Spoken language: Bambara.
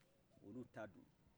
olu ta dun